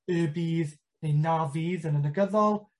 Y bydd neu na fydd yn y negyddol.